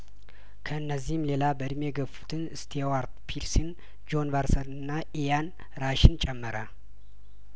ከእነዚህም ሌላ በእድሜ የገፉትን ስቴ ዋርት ፒርስን ጆን ባርነስንና ኢያን ራሽን ጨመረ